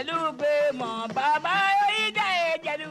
Jeliw bɛ maa baba yi ta ye jeli